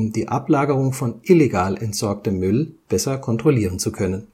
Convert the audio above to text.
die Ablagerung von illegal entsorgtem Müll besser kontrollieren zu können